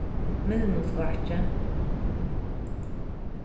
mylnuskákið